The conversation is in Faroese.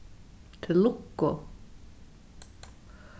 til lukku